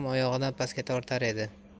otni ham oyog'idan pastga tortar edi